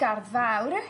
gardd fawr,